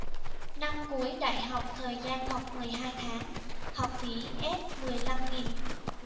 năm cuối đại học thời gian học mười hai tháng học phí s mười lăm nghìn